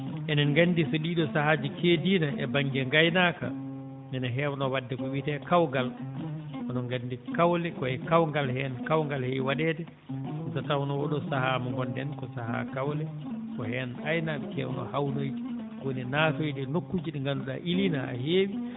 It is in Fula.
enen nganndi so ɗii ɗoo sahaaji keediino e baŋnge ngaynaaka ene heewnoo waɗde ko wiyetee kawgal oɗon nganndi kawle koye kawgal heen kawgal heewi waɗeede so tawnoo oo ɗoo sahaa mo ngonɗen ko sahaa kawle ko heen aynaaɓe keewnoo hawroyde woni naatoyde e nokkuuji ɗi ngannduɗaa iliino haa heewi